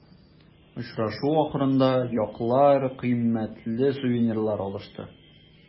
Очрашу ахырында яклар кыйммәтле сувенирлар алышты.